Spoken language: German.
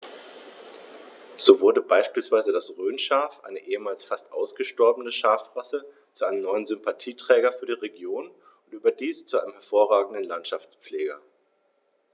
So wurde beispielsweise das Rhönschaf, eine ehemals fast ausgestorbene Schafrasse, zu einem neuen Sympathieträger für die Region – und überdies zu einem hervorragenden Landschaftspfleger.